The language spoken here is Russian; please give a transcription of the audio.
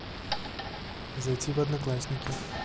зайти в одноклассники